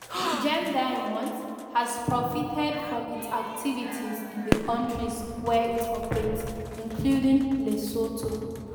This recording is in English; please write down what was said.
Gem Diamonds has profited from its activities in the countries where it operates, including Lesotho.